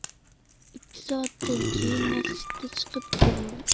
ikki soatdan keyin masjidga chiqib ko'raman